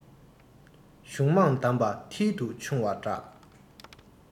གཞུང མང གདམས པ མཐིལ དུ ཕྱུང བ འདྲ